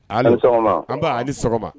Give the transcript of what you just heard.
An ni sɔgɔma an ani sɔgɔma